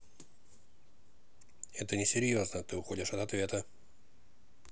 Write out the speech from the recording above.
это несерьезно ты уходишь от ответа